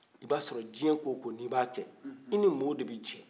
i b'a sɔrɔ diɲɛ ko o ko n'i b'a kɛ i ni mɔgɔw de bɛ jɛ